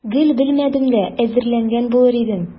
Гел белмәдем дә, әзерләнгән булыр идем.